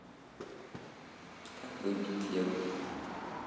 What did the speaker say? как выбить легу